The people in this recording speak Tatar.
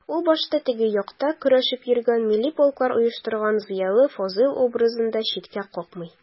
Ул башта «теге як»та көрәшеп йөргән, милли полклар оештырган зыялы Фазыйл образын да читкә какмый.